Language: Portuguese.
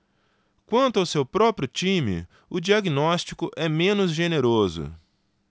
quanto ao seu próprio time o diagnóstico é menos generoso